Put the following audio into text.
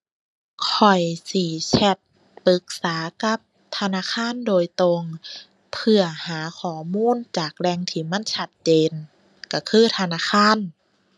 ข้อยสิแชตปรึกษากับธนาคารโดยตรง เพื่อหาข้อมูลจากแหล่งที่มันชัดเจน ก็คือธนาคาร